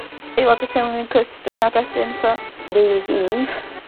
aelod o teulu ni yn cwrt diwrnod wedyn so. New Years Eve.